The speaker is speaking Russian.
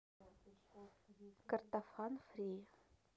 картофан фри